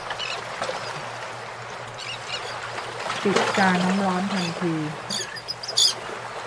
ปิดกาน้ำร้อนทันที